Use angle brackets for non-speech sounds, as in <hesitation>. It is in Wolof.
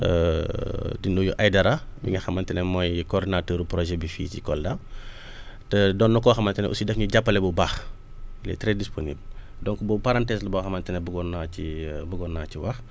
<hesitation> di nuyu Aïdara mi nga xamante ne mooy coordinateur projet bi fii ci Kolda <breath> te doon na koo xamante ne aussi daf ñuy jàppale bu baax il est très disponible donc boobu parenthèse la boo xamante ne bëggoon naa ci <hesitation> bëggoon naa ci wax